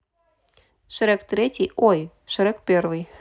шрек третий ой шрек первый